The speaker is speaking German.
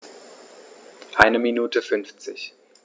Eine Minute 50